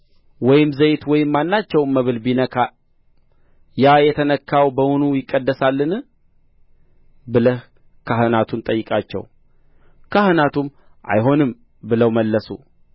ወይም ዘይት ወይም ማናቸውም መብል ቢነካ ያ የተነካው በውኑ ይቀደሳልን ብለህ ካህናቱን ጠይቃቸው ካህናቱም አይሆንም ብለው መለሱ